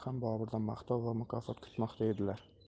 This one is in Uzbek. ham boburdan maqtov va mukofot kutmoqda edilar